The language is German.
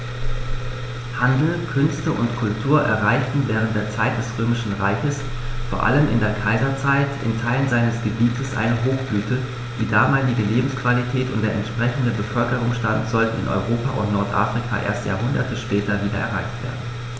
Handel, Künste und Kultur erreichten während der Zeit des Römischen Reiches, vor allem in der Kaiserzeit, in Teilen seines Gebietes eine Hochblüte, die damalige Lebensqualität und der entsprechende Bevölkerungsstand sollten in Europa und Nordafrika erst Jahrhunderte später wieder erreicht werden.